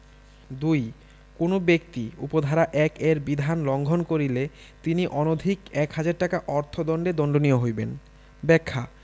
২ কোন ব্যক্তি উপ ধারা ১ এর বিধান লংঘন করিলে তিনি অনধিক এক হাজার টাকা অর্থ দন্ডে দন্ডনীয় হইবেন ব্যাখ্যা